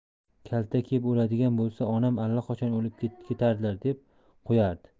kaltak yeb o'ladigan bo'lsa onam allaqachon o'lib ketardilar deb qo'yardi